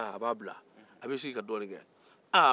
a b'a bila k'i sigi ka dɔɔnin kɛ